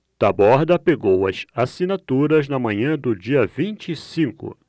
taborda pegou as assinaturas na manhã do dia vinte e cinco